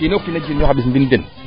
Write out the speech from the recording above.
o kiino kiin q jirñoox a ɓis mbin den